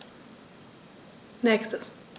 Nächstes.